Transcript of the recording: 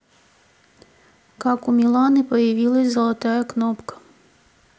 как у миланы появилась золотая кнопка